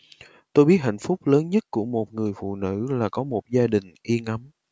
tôi biết hạnh phúc lớn nhất của một người phụ nữ là có một gia đình yên ấm